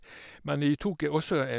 Men i tok jeg også en...